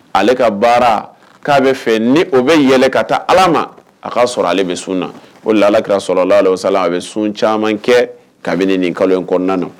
Ale ka baara k'a a bɛ fɛ ni o bɛ yɛlɛ ka taa ala ma a k ka sɔrɔ ale bɛ sun na o lakira sɔrɔ sa a bɛ sun caman kɛ kabini nin kalo in kɔnɔna